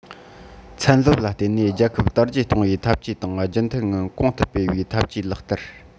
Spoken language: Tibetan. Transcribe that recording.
ཚན སློབ ལ བརྟེན ནས རྒྱལ ཁབ དར རྒྱས གཏོང བའི འཐབ ཇུས དང རྒྱུན མཐུད ངང གོང དུ སྤེལ བའི འཐབ ཇུས ལག བསྟར